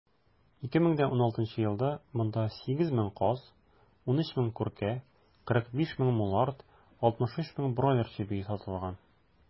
2016 елда монда 8 мең каз, 13 мең күркә, 45 мең мулард, 63 мең бройлер чебие сатылган.